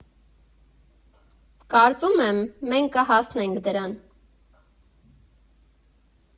Կարծում եմ՝ մենք կհասնենք դրան։